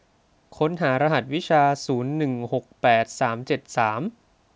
ค้นหารหัสวิชาศูนย์หนึ่งหกแปดสามเจ็ดสาม